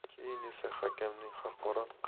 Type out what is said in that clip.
keyin esa hakamni haqorat qilgani